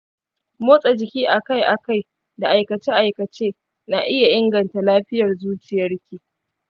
motsa jiki akai-akai da aikace-aikace na iya inganta lafiyar zuciyarki.